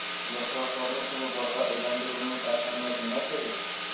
Яфракларның суны парга әйләндерүнең әһәмияте нәрсәдә?